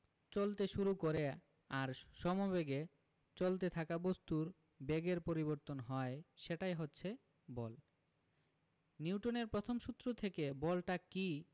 চলতে শুরু করে আর সমবেগে চলতে থাকা বস্তুর বেগের পরিবর্তন হয় সেটাই হচ্ছে বল নিউটনের প্রথম সূত্র থেকে বলটা কী